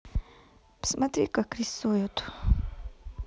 посмотри как рисуют